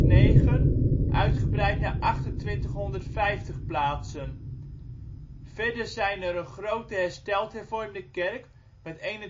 2008/2009 uitgebreid naar 2850 plaatsen. Verder zijn er een grote Hersteld Hervormde Kerk (2161